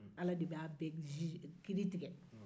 ala de b'a bɛɛ zi kiiri tigɛ